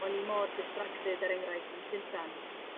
o'n i mor distracted er enghraifft yn Llundan